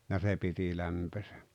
ja se piti lämpöisenä